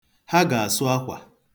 Ha ga-asụ akwa.